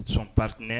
Son partenaire